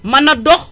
mën na dox